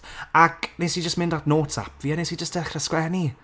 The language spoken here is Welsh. Ac, wnes i jyst mynd at notes app fi, a nes i jyst dechre sgwennu.